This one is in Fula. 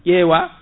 ƴeewa